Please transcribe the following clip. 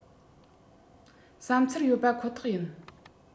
བསམ ཚུལ ཡོད པ ཁོ ཐག ཡིན